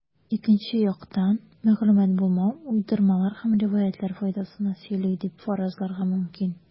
Икенче яктан, мәгълүмат булмау уйдырмалар һәм риваятьләр файдасына сөйли дип фаразларга мөмкин.